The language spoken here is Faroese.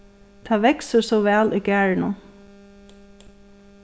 tað veksur so væl í garðinum